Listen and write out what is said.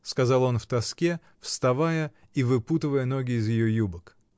— сказал он в тоске, вставая и выпутывая ноги из ее юбок.